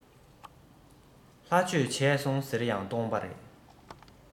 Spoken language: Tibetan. ལྷ ཆོས བྱས སོང ཟེར ཡང སྟོང པ རེད